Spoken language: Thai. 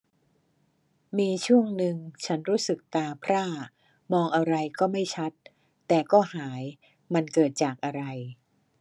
มีช่วงนึงฉันรู้สึกตาพร่ามองอะไรก็ไม่ชัดแต่ก็หายมันเกิดจากอะไร